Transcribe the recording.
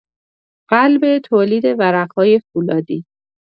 قلب تولید ورق‌های فولادی